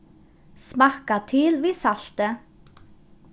smakka til við salti